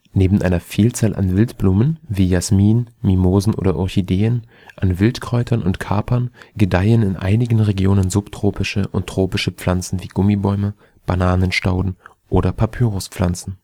Neben einer Vielzahl an Wildblumen wie Bougainvillea, Jasmin, Mimosen oder Orchideen, an Wildkräutern und Kapern gedeihen in einigen Regionen subtropische und tropische Pflanzen wie Gummibäume, Bananenstauden oder Papyruspflanzen